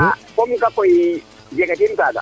nda comme jega tiim kaga